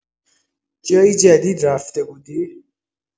جایی جدید رفته بودی؟